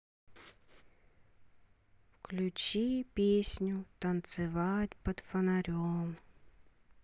включи песню танцевать под фонарем